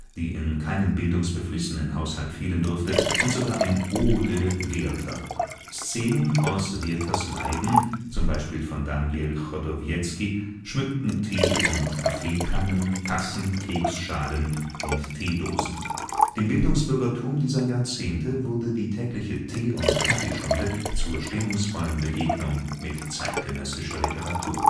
die in keinem bildungsbeflissenen Haushalt fehlen durfte, und sogar ein Eau de Werther. Szenen aus „ Werthers Leiden “(zum Beispiel von Daniel Chodowiecki) schmückten Tee - und Kaffeekannen, Tassen, Keksschalen und Teedosen. Dem Bildungsbürgertum dieser Jahrzehnte wurde die tägliche Tee - und Kaffeestunde zur stimmungsvollen Begegnung mit zeitgenössischer Literatur